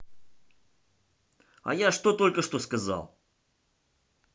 а я что только что сказал